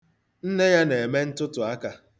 Nne ya na-eme ntụtụaka.